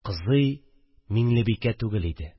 Кызый – Миңлебикә түгел иде